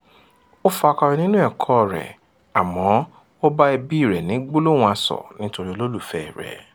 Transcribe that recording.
Ó f'akọyọ nínú ẹ̀kọ́ọ rẹ̀ àmọ́ ó bá ẹbíi rẹ̀ ní gbólóhùn asọ̀ nítorí olólùfẹ́ẹ rẹ̀.